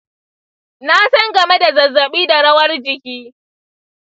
na san game da zazzabi da rawar jiki.